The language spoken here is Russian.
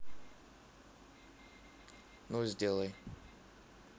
ну сделай